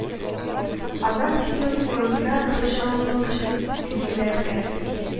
Аннан синең урыныңа бер җаваплы кеше билгеләргә кирәк